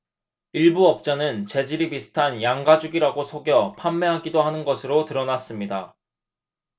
일부 업자는 재질이 비슷한 양 가죽이라고 속여 판매하기도 하는 것으로 드러났습니다